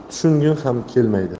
tushungim ham kelmaydi